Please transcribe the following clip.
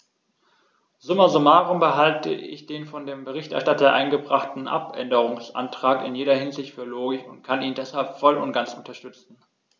Summa summarum halte ich den von dem Berichterstatter eingebrachten Abänderungsantrag in jeder Hinsicht für logisch und kann ihn deshalb voll und ganz unterstützen.